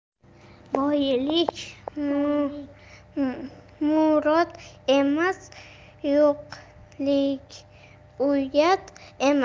boylik murod emas yo'qlik uyat emas